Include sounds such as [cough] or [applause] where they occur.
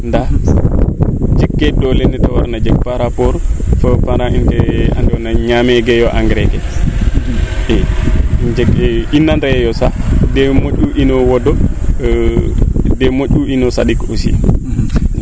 ndaa jeg kee doole ne te warna jeg par rapport fo parent in ke ando naye ñaamo geeyo engrais ke i njeg e i nandee yo sax den moƴu ino wodo [hesitation] den moƴ ino saɗik aussi